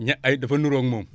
ña ay dafa niroog moom